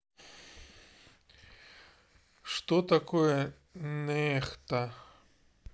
что такое нехта